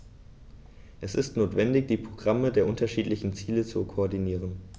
Es ist notwendig, die Programme der unterschiedlichen Ziele zu koordinieren.